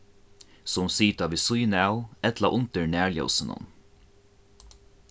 sum sita við síðuna av ella undir nærljósunum